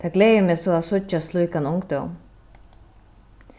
tað gleðir meg so at síggja slíkan ungdóm